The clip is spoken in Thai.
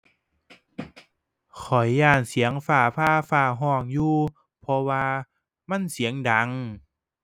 ข้อยย้านเสียงฟ้าผ่า ฟ้าร้องอยู่ เพราะว่ามันเสียงดัง